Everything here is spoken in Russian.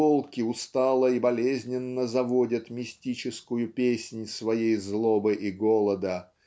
волки устало и болезненно заводят мистическую песнь своей злобы и голода